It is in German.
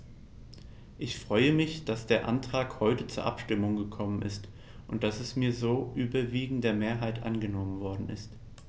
Ich freue mich, dass der Antrag heute zur Abstimmung gekommen ist und dass er mit so überwiegender Mehrheit angenommen worden ist.